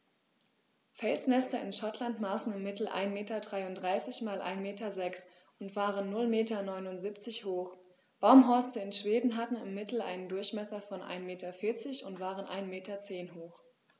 Felsnester in Schottland maßen im Mittel 1,33 m x 1,06 m und waren 0,79 m hoch, Baumhorste in Schweden hatten im Mittel einen Durchmesser von 1,4 m und waren 1,1 m hoch.